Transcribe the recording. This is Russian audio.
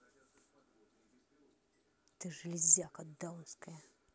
ты железяка даунская